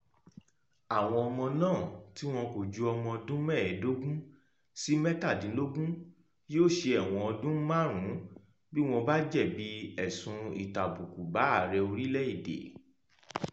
Àwọn ọmọ náà tí wọn kò ju ọmọ ọdún 15 sí 17 yóò ṣe ẹ̀wọ̀n ọdún márùn-ún bí wọ́n bá jẹ̀bi ẹ̀sùn ìtàbùkù bá Ààrẹ orílẹ̀-èdè.